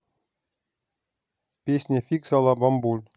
песня фиксала бамбуль